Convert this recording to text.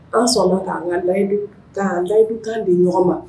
An sɔnna ka an ka layidukan layidukan di ɲɔgɔn ma.